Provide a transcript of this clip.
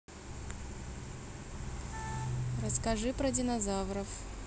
расскажи про динозавров